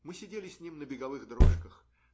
Мы сидели с ним на беговых дрожках